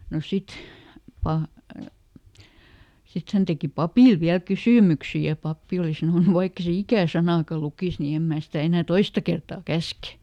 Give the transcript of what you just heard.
no sitten - sitten hän teki papille vielä kysymyksiä ja pappi oli sanonut vaikka ei se ikänä sanaakaan lukisi niin en minä sitä enää toista kertaa käske